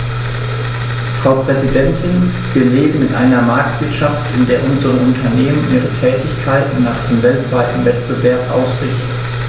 Frau Präsidentin, wir leben in einer Marktwirtschaft, in der unsere Unternehmen ihre Tätigkeiten nach dem weltweiten Wettbewerb ausrichten.